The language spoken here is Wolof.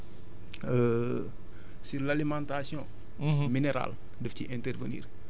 même tamit matière organique en même temps sur l' alimentation